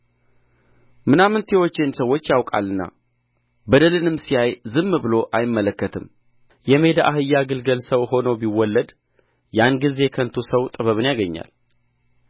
ምናምንቴዎችን ሰዎች ያውቃልና በደልንም ሲያይ ዝም ብሎ አይመለከትም የሜዳ አህያ ግልገል ሰው ሆኖ ቢወለድ ያን ጊዜ ከንቱ ሰው ጥበብን ያገኛል